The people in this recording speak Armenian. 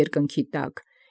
Առ ի ներքոյ երկնից։